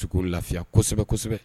S lafiya kosɛbɛ kosɛbɛ